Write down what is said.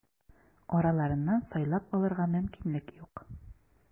Араларыннан сайлап алырга мөмкинлек юк.